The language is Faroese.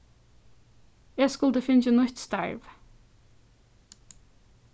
eg skuldi fingið nýtt starv